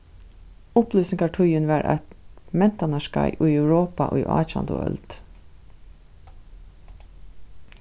upplýsingartíðin var eitt mentanarskeið í europa í átjandu øld